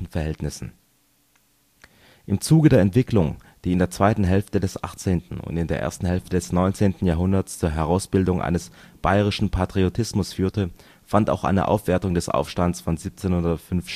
Verhältnissen. Im Zuge der Entwicklung, die in der zweiten Hälfte des 18. und in der ersten Hälfte des 19. Jahrhunderts zur Herausbildung eines bayerischen Patriotismus führte, fand auch eine Aufwertung des Aufstands von 1705